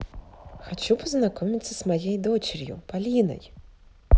хочу познакомиться с моей дочерью полиной